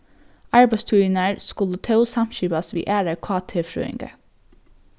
arbeiðstíðirnar skulu tó samskipast við aðrar kt-frøðingar